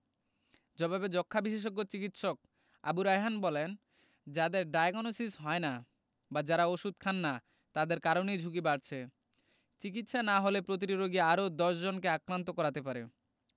জবাবে যক্ষ্মা বিশেষজ্ঞ চিকিৎসক আবু রায়হান বলেন যাদের ডায়াগনসিস হয় না বা যারা ওষুধ খান না তাদের কারণেই ঝুঁকি বাড়ছে চিকিৎসা না হলে প্রতিটি রোগী আরও ১০ জনকে আক্রান্ত করাতে পারে